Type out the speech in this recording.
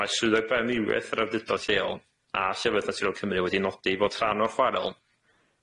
Mae swyddog baiomrywiaeth yr ardurdod lleol a Llefydd Naturiol Cymru wedi nodi bod rhan o'r chwaral